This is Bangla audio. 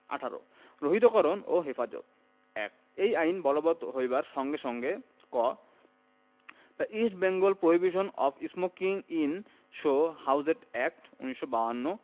১৮ রহিতকরণ ও হেফাজতঃ ১ এই আইন বলবৎ হইবার সংগে সংগেঃ ক the East Bengal prohibition of smoking in show houses act ১৯৫২